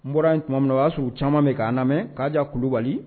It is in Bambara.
N bɔra yen tuma min na, o y'a sɔrɔ u caman bɛ k'an lamɛn Kaja kulubali